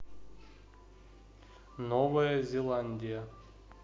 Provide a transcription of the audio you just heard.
новая зеландия